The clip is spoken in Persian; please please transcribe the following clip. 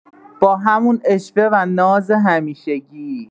با همون عشوه و ناز همیشگی